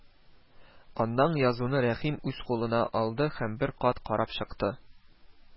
Аннан язуны Рәхим үз кулына алды һәм бер кат карап чыкты